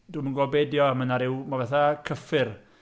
Dwi'm yn gwybod be ydy o. Mae 'na ryw... mae'n fatha cyffur.